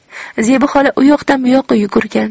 zebi xola u yoqdan bu yoqqa yugurgan